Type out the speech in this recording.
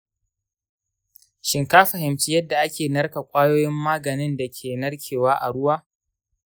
shin ka fahimci yadda ake narka kwayoyin maganin da ke narkewa a ruwa?